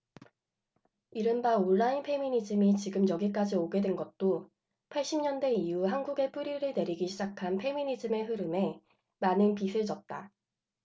이른바 온라인 페미니즘이 지금 여기까지 오게 된 것도 팔십 년대 이후 한국에 뿌리를 내리기 시작한 페미니즘의 흐름에 많은 빚을 졌다